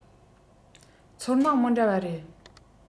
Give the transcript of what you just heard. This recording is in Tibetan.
ཚོར སྣང མི འདྲ བ རེད